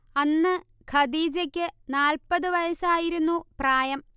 അന്ന് ഖദീജക്ക് നാൽപത് വയസ്സായിരുന്നു പ്രായം